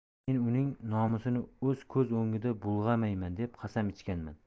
men uning nomusini o'z ko'z o'ngida bulg'ayman deb qasam ichganman